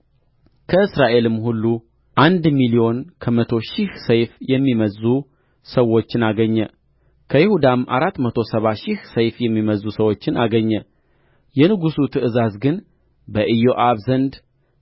ከእስራኤልም ሁሉ አንድ ሚሊዮን ከመቶ ሺህ ሰይፍ የሚመዝዙ ሰዎችን አገኘ ከይሁዳም አራት መቶ ሰባ ሺህ ሰይፍ የሚመዝዙ ሰዎችን አገኘ የንጉሡ ትእዛዝ ግን በኢዮአብ ዘንድ